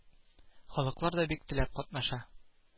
Халыклар да бик теләп катнаша